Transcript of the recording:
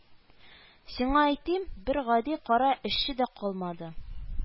Сиңа әйтим, бер гади кара эшче дә калмады